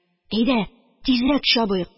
Әйдә, тизрәк чабыйк.